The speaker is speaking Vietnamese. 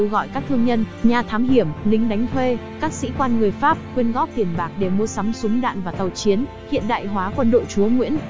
các thương nhân nhà thám hiểm lính đánh thuê các sĩ quan người pháp quyên góp tiền bạc để mua sắm súng đạn và tàu chiến hiện đại hóa quân đội chúa nguyễn